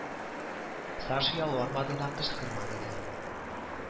Саша ялвармады да кычкырмады да